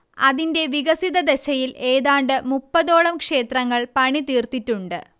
അതിന്റെ വികസിതദശയിൽ ഏതാണ്ട് മുപ്പതോളം ക്ഷേത്രങ്ങൾ പണിതീർത്തിട്ടുണ്ട്